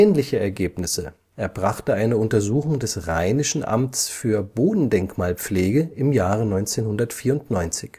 Ähnliche Ergebnisse erbrachte eine Untersuchung des Rheinischen Amts für Bodendenkmalpflege im Jahre 1994